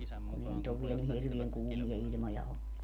kun ei nyt ole vielä niin hirveän kuumia ilmoja ollut